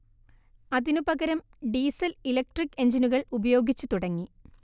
അതിനുപകരം diesel electric എഞ്ചിനുകൾ ഉപയോഗിച്ചു തുടങ്ങി